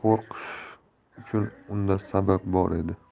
va ulardan qo'rqish uchun unda sabab bor edi